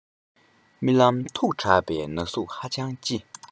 རྨི ལམ མཐུགས དྲགས པས ན ཟུག ཧ ཅང ལྕི